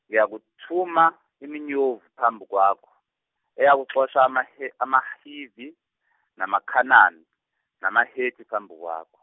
ngiyakuthuma iminyovu phambi kwakho, eyakuxosha amaHe- amaHivi, namaKhanani, namaHeti phambi kwakho.